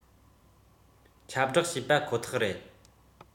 ཁྱབ བསྒྲགས བྱས པ ཁོ ཐག རེད